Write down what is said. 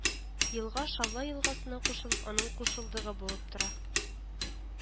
Елга Шавла елгасына кушылып, аның кушылдыгы булып тора